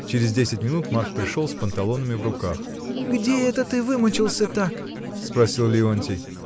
Через десять минут Марк пришел с панталонами в руках. — Где это ты вымочился так? — спросил Леонтий.